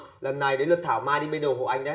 lần này đến lượt thảo mai đi bê đồ hộ anh đấy